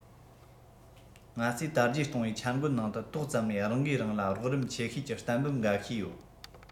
ང ཚོའི དར རྒྱས གཏོང བའི འཆར འགོད ནང དུ ཏོག ཙམ ནས རང གིས རང ལ རོགས རམ ཆེ ཤོས ཀྱི གཏན འབེབས འགའ ཤས ཡོད